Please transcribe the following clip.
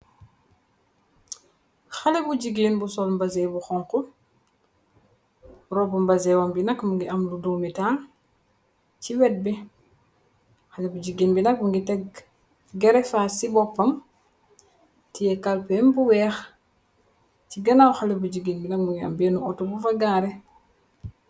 Xale bu jigeen bu sol mbasé bu xonk. Robu mbaséon bi nag mu ngi am lu doomitaal ci wet bi. Xale bu jigéen bi nag mu ngi teg geni faas ci boppam tiyé kalpem bu weex. Ci ganaaw xale bu jigeen bi nag mu am bennu auto bu fa gaare.